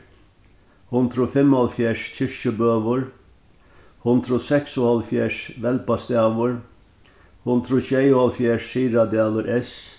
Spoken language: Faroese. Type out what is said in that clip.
hundrað og fimmoghálvfjerðs kirkjubøur hundrað og seksoghálvfjerðs velbastaður hundrað og sjeyoghálvfjerðs syðradalur s